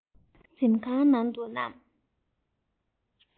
གཟིམ ཁང དུ བསྣམས